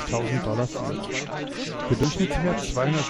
330.000 Dollar führt. Der Durchschnittswert 250.000